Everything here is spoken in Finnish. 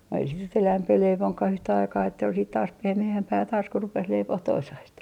ei sitä nyt enempää leivokaan yhtä aikaa että oli sitten taas pehmeämpää taas kun rupesi leipomaan toisaista